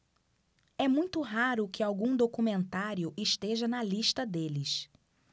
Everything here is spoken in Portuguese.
é muito raro que algum documentário esteja na lista deles